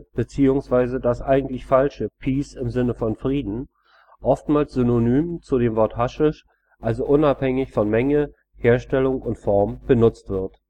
beziehungsweise das eigentlich falsche „ peace “oftmals synonym zu dem Wort Haschisch, also unabhängig von Menge, Herstellung und Form, benutzt wird